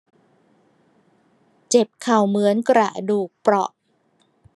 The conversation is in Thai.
เจ็บเข่าเหมือนกระดูกเปราะ